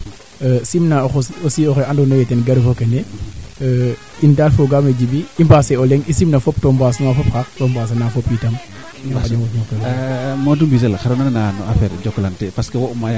Djiby kene o mebela qinaxo maako kam mos'u rever no adna yee mi im refa nge o docteur fat im refo millitaire wala im refo cacangin o cacangin koy kaa yaaj refee oxe na jang na kam classe ne soom